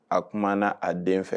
A kuma na a den fɛ